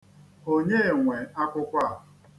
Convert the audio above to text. Onye nwe akwụkwọ a?